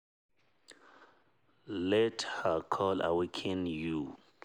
Let her call awaken you!